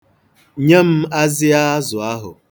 Nye m azịa azụ ahụ.